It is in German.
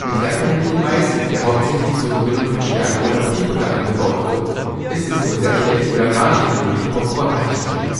Mit herkömmlichem Mais, der hauptsächlich zur Gewinnung von Stärke oder Viehfutter angebaut wird, ist es nur sehr schlecht oder gar nicht möglich, Popcorn herzustellen.